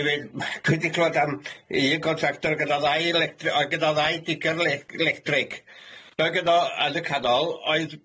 Mi fydd m- chwi di clwad am un gontractor gyda ddau electri- oedd gyda ddau diger le- electric nag yno yn y canol oedd